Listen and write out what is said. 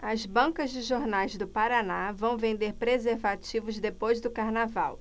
as bancas de jornais do paraná vão vender preservativos depois do carnaval